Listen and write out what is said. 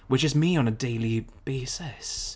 Which is me on a daily basis.